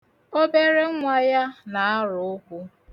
Obere nwa ya na-arụ ụkwụ.